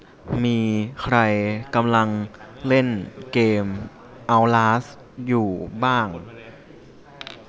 มีใครกำลังเล่นเกมเอ้าลาสอยู่บ้าง